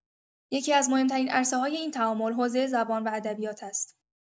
یکی‌از مهم‌ترین عرصه‌های این تعامل، حوزه زبان و ادبیات است.